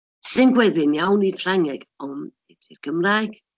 Sy'n gweddu'n iawn i'r Ffrangeg, ond nid i'r Gymraeg.